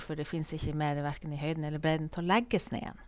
For det fins ikke mer hverken i høyden eller bredden til å legge snøen.